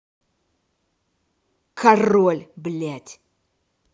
король блядь